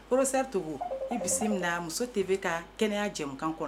Professeur Togo i bisimila muso TV ka kɛnɛya jɛɛmukan kɔnɔ